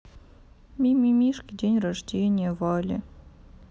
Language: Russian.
мимимишки день рождения вали